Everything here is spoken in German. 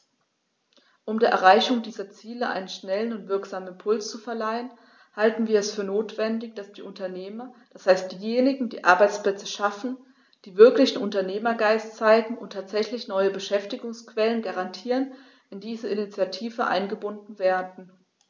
Um der Erreichung dieser Ziele einen schnellen und wirksamen Impuls zu verleihen, halten wir es für notwendig, dass die Unternehmer, das heißt diejenigen, die Arbeitsplätze schaffen, die wirklichen Unternehmergeist zeigen und tatsächlich neue Beschäftigungsquellen garantieren, in diese Initiative eingebunden werden.